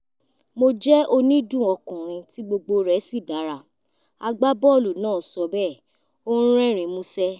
Mo jẹ́ onídùn ọkùnrin tí gbogbo rẹ̀ sì dára, " agbábọ̀ọ̀lù náa sọ bẹ́ẹ̀, ó ń rẹ́rín múṣẹ́.